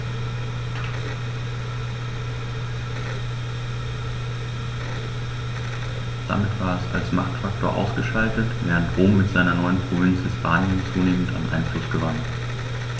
Damit war es als Machtfaktor ausgeschaltet, während Rom mit seiner neuen Provinz Hispanien zunehmend an Einfluss gewann.